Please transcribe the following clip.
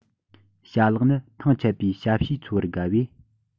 བྱ གླག ནི ཐང ཆད པའི བྱ བྱེའུ འཚོལ བར དགའ བས